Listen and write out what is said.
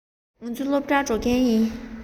ང ཚོ སློབ གྲྭར འགྲོ གི ཡིན